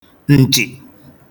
ǹtchị̀